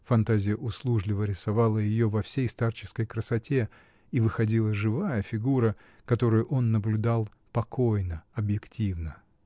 Фантазия услужливо рисовала ее во всей старческой красоте: и выходила живая фигура, которую он наблюдал покойно, объективно.